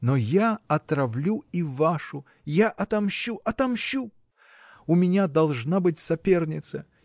но я отравлю и вашу: я отмщу, отмщу у меня должна быть соперница!